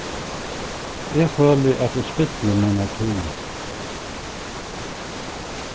eg føli at eg spilli mína tíð